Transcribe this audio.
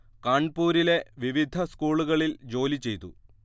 കാൺപൂരിലെ വിവിധ സ്കൂളുകളിൽ ജോലി ചെയ്തു